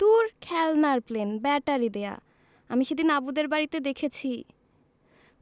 দূর খেলনার plane battery দেয়া আমি সেদিন আবুদের বাড়িতে দেখেছি